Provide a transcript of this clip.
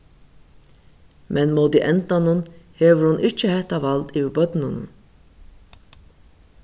men móti endanum hevur hon ikki hetta vald yvir børnunum